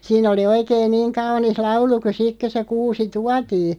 siinä oli oikein niin kaunis laulu kun sitten kun se kuusi tuotiin